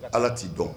Ala t'i dɔn